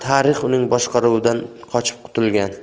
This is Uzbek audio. tarix uning boshqaruvidan qochib qutulgan